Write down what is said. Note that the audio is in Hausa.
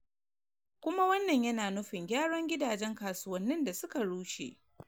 Kuma wannan yana nufin gyaran gidajen kasuwannin da suka rushe.